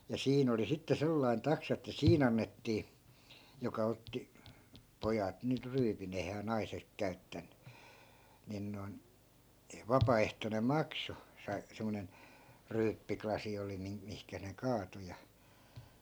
ja siinä oli sitten sellainen taksa että siinä annettiin joka otti pojat nyt ryyppivät eihän naiset käyttänyt niin noin vapaaehtoinen maksu - semmoinen ryyppylasi oli - mihin ne kaatoi ja